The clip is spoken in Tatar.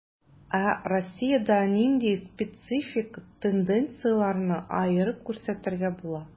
Ә Россиядә нинди специфик тенденцияләрне аерып күрсәтергә була?